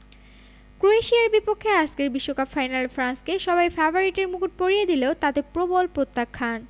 ক্রোয়েশিয়ার বিপক্ষে আজকের বিশ্বকাপ ফাইনালে ফ্রান্সকে সবাই ফেভারিটের মুকুট পরিয়ে দিলেও তাতে প্রবল প্রত্যাখ্যান